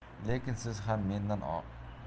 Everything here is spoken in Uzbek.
lekin siz ham